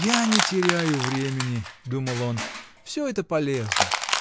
"Я не теряю времени, -- думал он, -- все это полезно